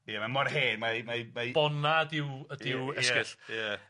Ie mae mor hen mae mae mae... Bonad yw ydyw esgyll? Ie ie ie.